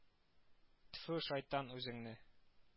Тфү, шайтан үзеңне